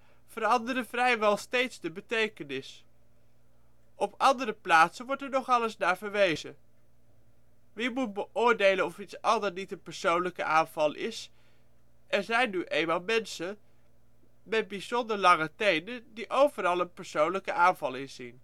veranderen vrijwel steeds de betekenis. op andere plaatsen wordt er nogal eens naar verwezen. wie moet beoordelen of iets al dan niet een persoonlijke aanval is - er zijn nu eenmaal mensen met bijzonder lange tenen die overal een persoonlijke aanval in